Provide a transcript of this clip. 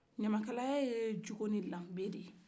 ɲamakalaya ye jogo ni dambe de ye